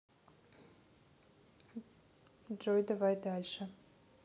джой давай дальше